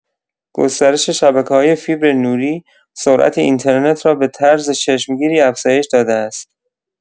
گسترش شبکه‌های فیبرنوری، سرعت اینترنت را به طرز چشمگیری افزایش داده است.